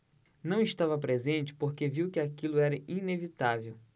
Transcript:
não estava presente porque viu que aquilo era inevitável